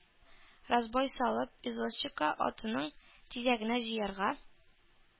Разбой салып, извозчикка атының тизәген җыярга,